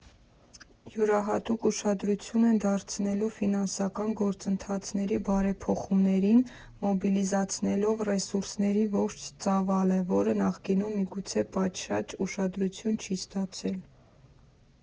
Յուրահատուկ ուշադրություն են դարձնելու ֆինանսական գործընթացների բարեփոխումներին՝ մոբիլիզացնելով ռեսուրսների ողջ ծավալը, որը նախկինում միգուցե պատշաճ ուշադրություն չի ստացել։